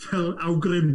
... fel awgrym.